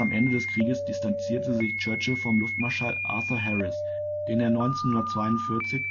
Ende des Kriegs distanzierte sich Churchill von Luftmarschall Arthur Harris, den er 1942